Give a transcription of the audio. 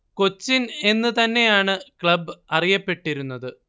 കൊച്ചിൻ എന്നു തന്നെയാണ് ക്ലബ് അറിയപ്പെട്ടിരുന്നത്